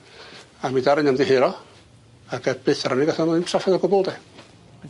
a mi ddaru nw ymddiheuro ag yy byth er ynny gathon nw ddim trafferth o gwbwl de.